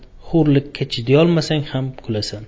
xurlikka chidayolmasang xam kulasan